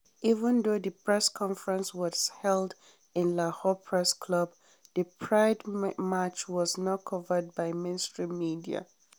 Even though the press conference was held in the Lahore Press Club the Pride March was not covered by mainstream media.